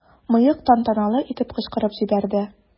"мыек" тантаналы итеп кычкырып җибәрде.